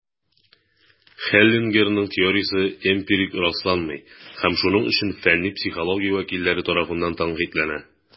Хеллингерның теориясе эмпирик расланмый, һәм шуның өчен фәнни психология вәкилләре тарафыннан тәнкыйтьләнә.